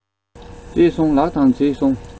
མཛེས སོང ལགས དང མཛེས སོང